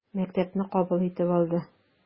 Мәктәпне кабул итеп алды.